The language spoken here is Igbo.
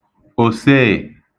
òseè